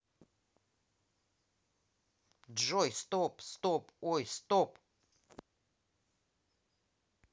джой стоп стоп ой стоп